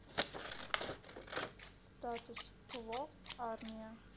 статус кво армия